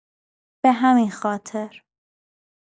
به همین خاطر